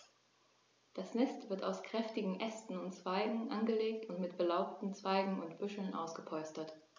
Das Nest wird aus kräftigen Ästen und Zweigen angelegt und mit belaubten Zweigen und Büscheln ausgepolstert.